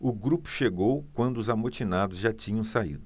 o grupo chegou quando os amotinados já tinham saído